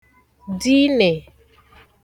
dinè